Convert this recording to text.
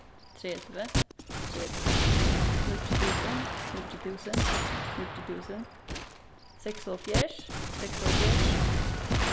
tretivu tretivu níggju túsund níggju túsund níggju túsund seksoghálvfjerðs seksoghálvfjerðs